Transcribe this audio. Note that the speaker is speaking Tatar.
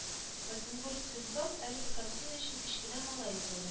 Ольденбург-Свинцов әлеге картина өчен кечкенә малай эзләгән